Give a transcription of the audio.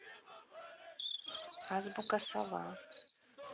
азбука сова